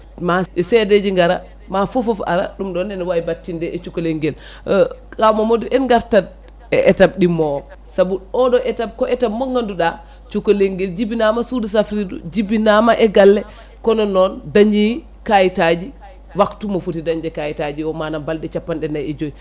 ma seediji gara ma fofoof ara ɗum ɗonne ne wawi battinde e cukalel nguel kaw Mamadou en gartat e étape ɗimmo o saabu oɗo étape ko étape mo ganduɗa cukolel nguel jbinama suudu safrirdu jibinama e galle kono noon dañi kayitaji waktu mo foti dañde kayitaji o manam balɗe capanɗe nayyi e joyyi